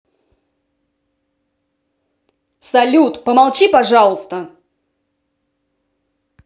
салют помолчи пожалуйста